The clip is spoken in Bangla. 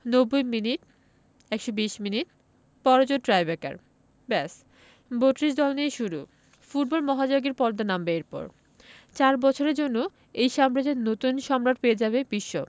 ৯০ মিনিট ১২০ মিনিট বড়জোর টাইব্রেকার ব্যস ৩২ দল নিয়ে শুরু ফুটবল মহাযজ্ঞের পর্দা নামবে এরপর চার বছরের জন্য এই সাম্রাজ্যের নতুন সম্রাট পেয়ে যাবে বিশ্ব